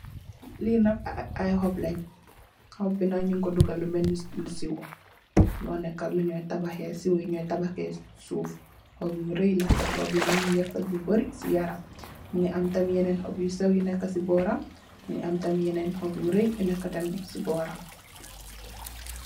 Li nak ay hoop leen, hoop bi nak nung ko dugal lu mèlni soh. Mo nekka lu nyo tabahè, soh yu no tabahè suuf. Hoop yu rëy la sah. Hoop yi nak nu gè fatch Lu bëri ci yaram. Mungi am tamit yenen hoop yu sew yu nekka ci boram. Mung am tamit yenen hoop yu rëy yu nekka tamit ci boram.